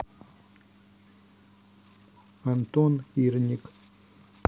антон ирник